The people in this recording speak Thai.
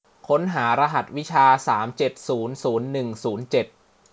ค้นหารหัสวิชาสามเจ็ดศูนย์ศูนย์หนึ่งศูนย์เจ็ด